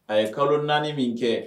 A ye kalo naani min kɛ